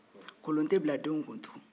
kolon tɛ bila den kun tugu